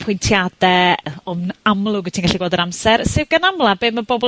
pwyntiade, o'n amlwg wt ti'n gallu gweld yr amser, sydd gan amla be' ma' bobol yn